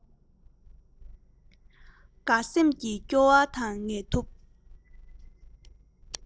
འགའི སེམས ཀྱི སྐྱོ བ དང ངལ དུབ